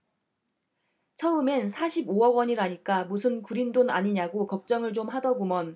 처음엔 사십 오 억원이라니까 무슨 구린 돈 아니냐고 걱정을 좀 하더구먼